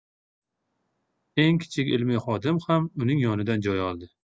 eng kichik ilmiy xodim ham uning yonidan joy oldi